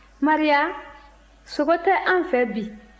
maria sogo tɛ an fɛ bi